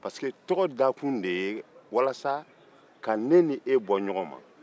paseke tɔgɔ dakun de ye ka ne ni e bɔ ɲɔgɔn ma